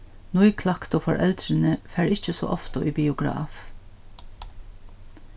nýklaktu foreldrini fara ikki so ofta í biograf